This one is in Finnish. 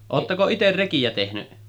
oletteko itse rekiä tehnyt